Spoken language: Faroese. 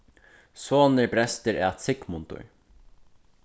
sonur brestir æt sigmundur